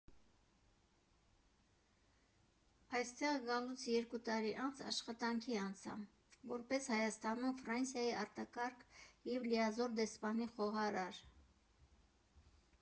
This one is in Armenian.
Այստեղ գալուց երկու տարի անց աշխատանքի անցա՝ որպես Հայաստանում Ֆրանսիայի արտակարգ և լիազոր դեսպանի խոհարար։